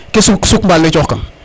ke suk mbaal ne coxkang